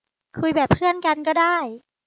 คุยแบบเพื่อนกันก็ได้